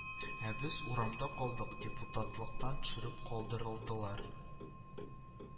Ә без урамда калдык депутатлыктан төшереп калдырдылар